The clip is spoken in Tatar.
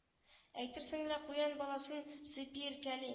Әйтерсең лә куян баласын сыйпый иркәли